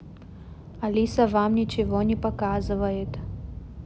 алиса вам ничего не показывает